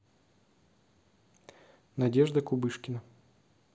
надежда кубышкина